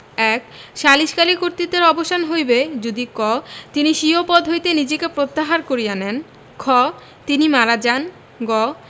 ১ সালিসকারীর কর্তৃত্বের অবসান হইবে যদি ক তিনি স্বীয় পদ হইতে নিজেকে প্রত্যাহার করিয়া নেন খ তিনি মারা যান গ